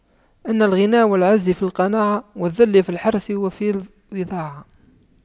إن الغنى والعز في القناعة والذل في الحرص وفي الوضاعة